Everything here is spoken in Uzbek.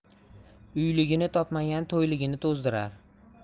uyligini topmagan to'yligini to'zdirar